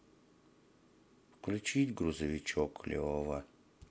включить грузовичок лева